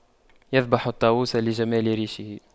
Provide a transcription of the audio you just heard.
يذبح الطاووس لجمال ريشه